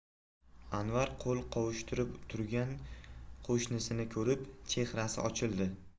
anvar qo'l qovushtirib turgan qo'shnisini ko'rib chehrasi ochildi